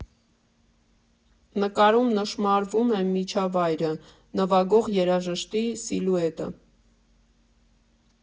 Նկարում նշմարվում է միջավայրը, նվագող երաժիշտի սիլուետը։